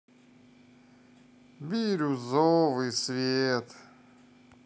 бирюзовый свет